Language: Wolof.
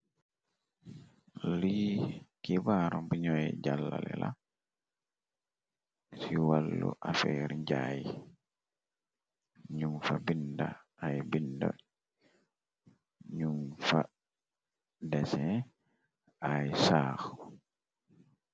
Lii ki baaram bi ñooy jàllale la, ci wàllu afeer njaay, ñum fa bind ay bind, ñum fa desen ay saaxu.